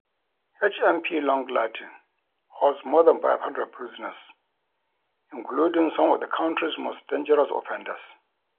HMP Long Lartin holds more than 500 prisoners, including some of the country's most dangerous offenders.